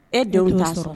E denw t'a sɔrɔ